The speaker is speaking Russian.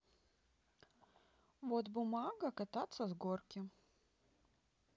вот бумага кататься с горки